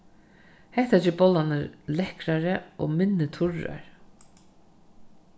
hetta ger bollarnar lekkrari og minni turrar